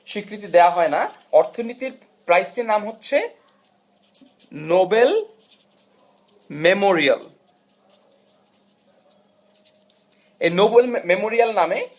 স্বীকৃতি দেয়া হয় না অর্থনীতির প্রাইস টির নাম হচ্ছে নবেল মেমোরিয়াল এই নবেল মেমোরিয়াল নামে